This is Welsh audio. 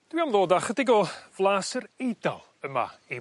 Dwi am ddod â chydig o flas yr Eidal yma i...